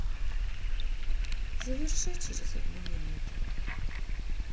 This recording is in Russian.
заверши через одну минуту